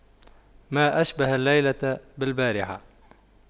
ما أشبه الليلة بالبارحة